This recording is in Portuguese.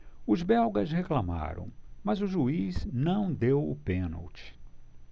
os belgas reclamaram mas o juiz não deu o pênalti